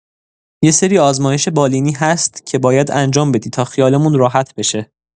یه سری آزمایش بالینی هست که باید انجام بدی تا خیالمون راحت بشه.